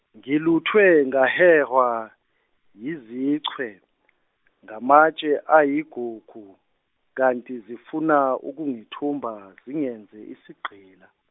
ngiluthwe, ngahehwa yizichwe, ngamatshe ayigugu, kanti zifuna ukungithumba zingenze isigqila.